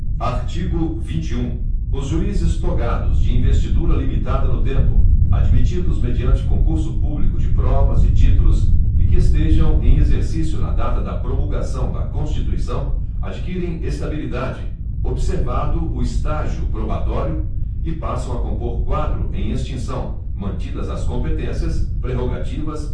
artigo vinte e um os juízes togados de investidura limitada no tempo admitidos mediante concurso público de provas e títulos e que estejam em exercício na data da promulgação da constituição adquirem estabilidade observado o estágio probatório e passam a compor quadro em extinção mantidas as competências prerrogativas